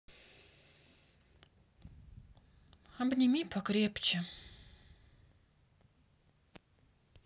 обними покрепче